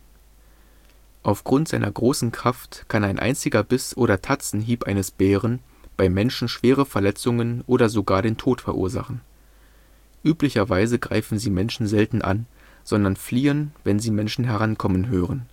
Aufgrund seiner großen Kraft kann ein einziger Biss oder Tatzenhieb eines Bären beim Menschen schwere Verletzungen oder sogar den Tod verursachen. Üblicherweise greifen sie Menschen selten an, sondern fliehen, wenn sie Menschen herankommen hören